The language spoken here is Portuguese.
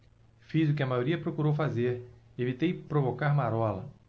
fiz o que a maioria procurou fazer evitei provocar marola